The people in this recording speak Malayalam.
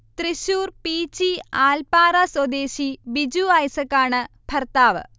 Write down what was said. തൃശൂർ പീച്ചി ആൽപ്പാറ സ്വദേശി ബിജു ഐസകാണ് ഭർത്താവ്